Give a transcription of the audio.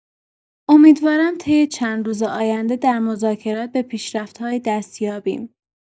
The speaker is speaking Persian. امیدواریم طی چند روز آینده در مذاکرات به پیشرفت‌هایی دست یابیم.